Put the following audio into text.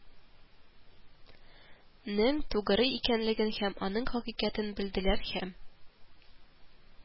Нең тугыры икәнлеген һәм аның хакыйкатен белделәр һәм